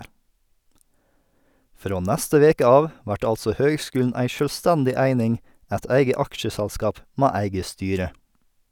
Frå neste veke av vert altså høgskulen ei sjølvstendig eining , eit eige aksjeselskap med eige styre.